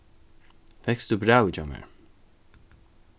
fekst tú brævið hjá mær